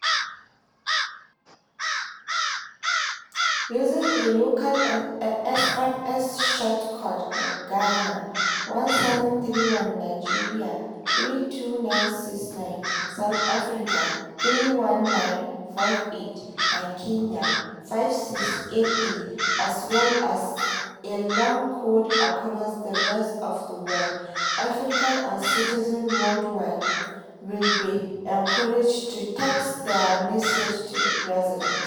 Using a local SMS short code in Ghana (1731) , Nigeria (32969) , South Africa (31958) and Kenya (5683), as well as a long code across the rest of the world*, Africans and citizens worldwide will be encouraged to text their messages to the President.